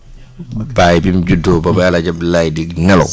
Baye bi mu juddoo ba bi El Hadj Abdoulaye di nelaw